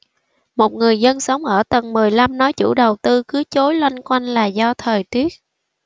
một người dân sống ở tầng mười lăm nói chủ đầu tư cứ chối loanh quanh là do thời tiết